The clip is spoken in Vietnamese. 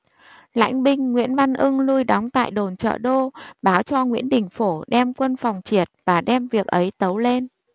lãnh binh nguyễn văn ưng lui đóng tại đồn chợ đô báo cho nguyễn đình phổ đem quân phòng triệt và đem việc ấy tâu lên